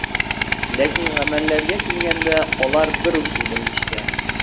Ләкин гамәлләргә килгәндә, алар бер үк, ди белгечләр.